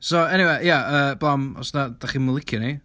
So eniwe ia yy heblaw os na- dach chi ddim yn licio ni.